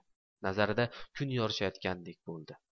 nazarida kun yorishayotgandek bo'dtsi